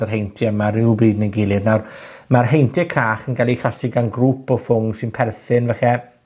yr heintie yma rywbryd neu gilydd. Nawr, ma'r heintie crach yn cael 'u achosi gan grŵp o ffwng sy'n perthyn falle,